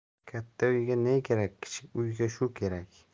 katta uyga ne kerak kichik uyga shu kerak